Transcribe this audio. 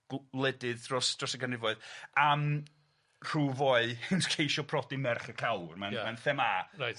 gw- wledydd dros dros y ganrifoedd am rhyw foi yn ceisio prodi merch y cawr. Ia. Ma'n ma'n thema. Reit.